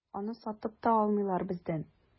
Аны сатып та алмыйлар бездән.